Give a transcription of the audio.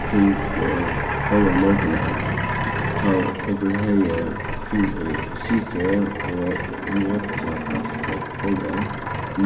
og fingu góðan morgunmat tá okur hevði sitið og notið alt tað góða